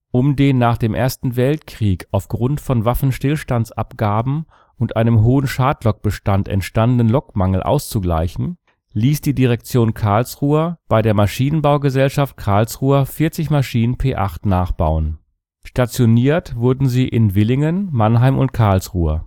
Um den nach dem Ersten Weltkrieg aufgrund von Waffenstillstandsabgaben und einem hohen Schadlokbestand entstandenen Lokmangel auszugleichen, ließ die Direktion Karlsruhe bei der Maschinenbau-Gesellschaft Karlsruhe 40 Maschinen P 8 nachbauen. Stationiert wurden sie in Villingen, Mannheim und Karlsruhe